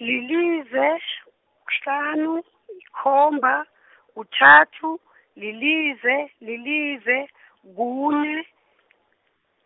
lilize , kuhlanu, y- yikomba, kuthathu, lilize, lilize, kune,